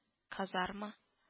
Казарма